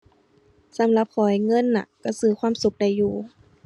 สำหรับข้อยเงินน่ะ ก็ซื้อความสุขได้อยู่